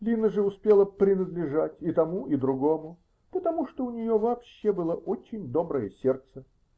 Лина же успела "принадлежать" и тому, и другому, потому что у нее вообще было очень доброе сердце.